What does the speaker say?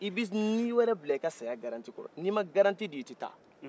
i bɛ nin wɛrɛ bila i ka saya garantie kɔrɔ ni ma garantie di i tɛta